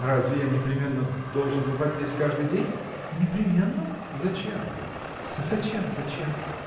– Разве я непременно должен бывать здесь каждый день? – Непременно! – Зачем? – Зачем, зачем!